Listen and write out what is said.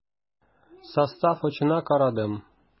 Состав очына карадым.